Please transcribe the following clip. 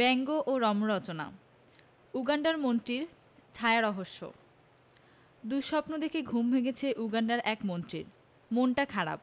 ব্যঙ্গ ও রম্যরচনা উগান্ডার মন্ত্রীর ছায়ারহস্য দুঃস্বপ্ন দেখে ঘুম ভেঙেছে উগান্ডার এক মন্ত্রীর মনটা খারাপ